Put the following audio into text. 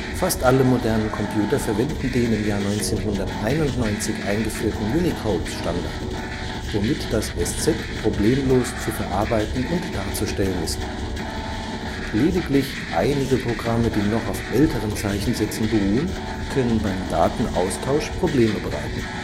Fast alle modernen Computer verwenden den im Jahr 1991 eingeführten Unicode-Standard, womit das Eszett problemlos zu verarbeiten und darzustellen ist. Lediglich einige Programme, die noch auf älteren Zeichensätzen beruhen, können beim Datenaustausch Probleme bereiten